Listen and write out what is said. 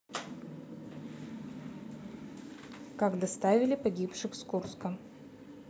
как доставали погибших с курска